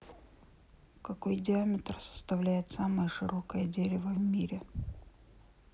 какой диаметр составляет самое широкое дерево в мире